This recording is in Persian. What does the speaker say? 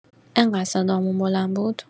انقد صدامون بلند بود؟